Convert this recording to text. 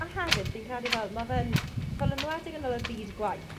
A hefyd fi'n credu fel ma' fe yn fel enwedig ynddo fel byd gwaith